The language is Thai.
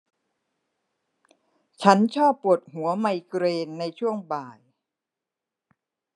ฉันชอบปวดหัวไมเกรนในช่วงบ่าย